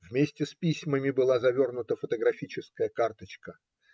Вместе с письмами была завернута фотографическая карточка.